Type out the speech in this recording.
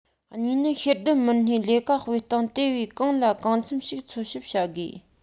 གཉིས ནི ཤེས ལྡན མི སྣའི ལས ཀ སྤེལ སྟངས དེ བས གང ལ གང འཚམ ཞིག འཚོལ ཞིབ བྱ དགོས